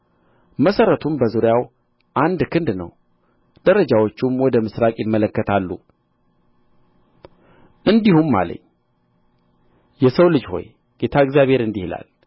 መሠረቱም በዙሪያው አንድ ክንድ ነው ደረጃዎቹም ወደ ምሥራቅ ይመለከታሉ እንዲህም አለኝ የሰው ልጅ ሆይ ጌታ እግዚአብሔር እንዲህ ይላል